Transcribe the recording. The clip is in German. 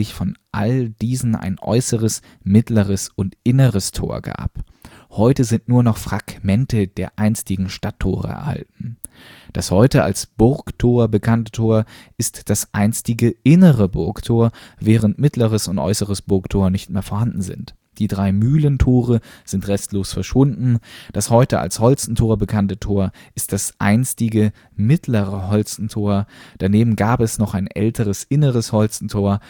von all diesen ein äußeres, mittleres und inneres Tor gab. Heute sind nur noch Fragmente der einstigen Stadttore erhalten. Das heute als Burgtor bekannte Tor ist das einstige Innere Burgtor, während Mittleres und Äußeres Burgtor nicht mehr vorhanden sind. Die drei Mühlentore sind restlos verschwunden. Das heute als Holstentor bekannte Tor ist das einstige Mittlere Holstentor; daneben gab es ein (noch älteres) Inneres Holstentor